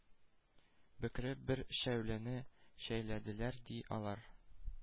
Бөкре бер шәүләне шәйләделәр, ди, алар.